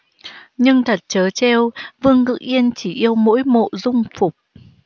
nhưng thật trớ trêu vương ngữ yên chỉ yêu mỗi mộ dung phục